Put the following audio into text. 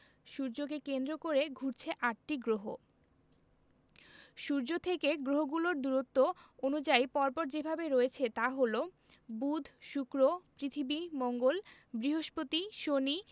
সূর্যকে কেন্দ্র করে ঘুরছে আটটি গ্রহ সূর্য থেকে গ্রহগুলো দূরত্ব অনুযায়ী পর পর যেভাবে রয়েছে তা হলো বুধ শুক্র পৃথিবী মঙ্গল বৃহস্পতি শনি